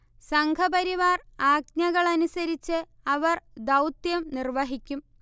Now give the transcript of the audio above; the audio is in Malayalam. സംഘപരിവാർ ആജ്ഞകൾ അനുസരിച്ച് അവർ ദൗത്യം നിർവ്വഹിക്കും